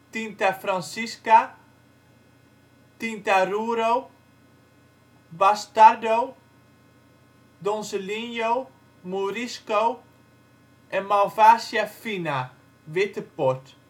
Tinta francisca, Tinto Rouro, Bastardo, Donzelinho, Mourisco en de Malvasia fina (witte port